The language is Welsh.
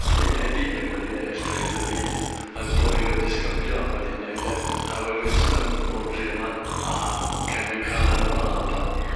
Os 'di Eddie ddim wedi ennill teitl y byd ma' ddou o'i disgyblion wedi neud e. Howard Winston o'r dre 'ma a Ken Buchanan o'r Alban.